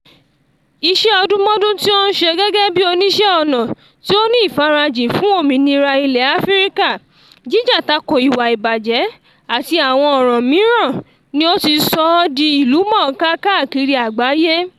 Iṣẹ́ ọdúnmọ́dún tí ó ń ṣe gẹ́gẹ́ bíi oníṣẹ́ ọnà tí ó ní ìfarajìn fún òmìnira ilẹ̀ Áfíríkà, jíjà tako ìwà ìbàjẹ́, àti àwọn ọ̀ràn mìíràn ni ó ti sọ ọ́ di ìlúmọ̀ọ́ká káàkiri àgbáyé.